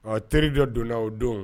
Ɔ teririjɔ donnana o don